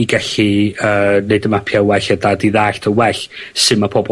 i gallu yy neud y mapia' well a dad i ddallt yn well su' ma' pobol